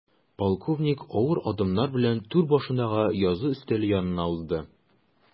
Полковник авыр адымнар белән түр башындагы язу өстәле янына узды.